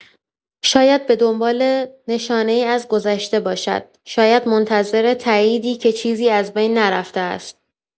شاید به دنبال نشانه‌ای از گذشته باشد، شاید منتظر تاییدی که چیزی از بین نرفته است.